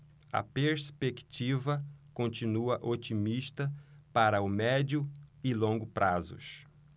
a perspectiva continua otimista para o médio e longo prazos